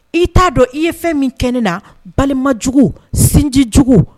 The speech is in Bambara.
I t'a dɔn i ye fɛn min kɛ ne la balimajugu sinjijugu.